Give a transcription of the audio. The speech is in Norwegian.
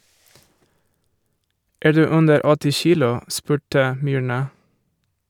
Er du under åtti kilo, spurte Myrna.